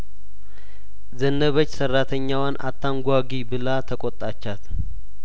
ዘነበች ሰራተኛዋን አታንጓጉ ብላ ተቆጣቻት